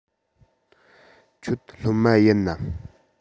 ཁྱོད སློབ མ ཡིན ནམ